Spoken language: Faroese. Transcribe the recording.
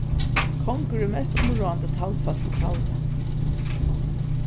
kongur er mest umráðandi talvfólk í talvi